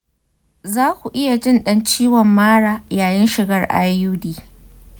za ku iya jin ɗan ciwon mara yayin shigar iud.